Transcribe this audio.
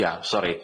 Ia sori.